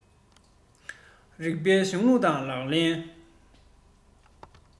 རིགས པའི གཞུང ལུགས དང ལག ལེན